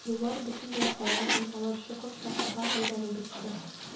Юллар бөтенләй каралмый, алар чокыр-чакырга әйләнеп бетте.